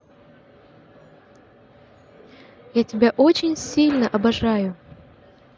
я тебя очень сильно обожаю